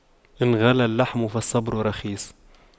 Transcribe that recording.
إن غلا اللحم فالصبر رخيص